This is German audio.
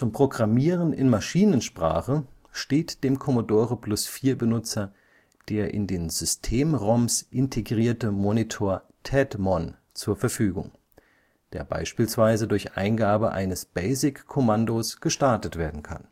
Programmieren in Maschinensprache steht dem Commodore-Plus/4-Benutzer der in den System-ROMs integrierte Monitor TEDMON zur Verfügung, der beispielsweise durch Eingabe eines BASIC-Kommandos gestartet werden kann